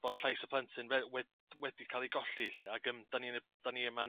bod llais y plentyn fel we- wedi ca'l i golli 'llu ag yym 'da ni 'da ni yma yn